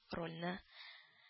Рольны